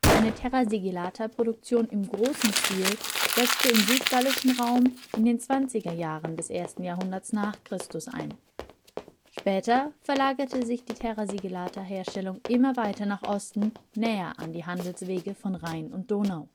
Eine TS-Produktion im großen Stil setzte im südgallischen Raum in den 20er Jahren des 1. Jahrhunderts n. Chr. ein. Später verlagerte sich die TS-Herstellung immer weiter nach Osten, näher an die Handelswege von Rhein und Donau